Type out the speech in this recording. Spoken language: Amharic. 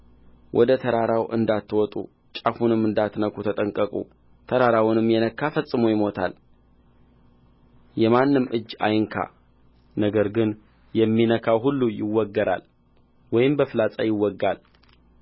ወደ ተራራው እንዳትወጡ ጫፉንም እንዳትነኩ ተጠንቀቁ ተራራውንም የነካ ፈጽሞ ይሞታል የማንም እጅ አይንካ ነገር ግን የሚነካው ሁሉ ይወገራል ወይም በፍላጻ ይወጋል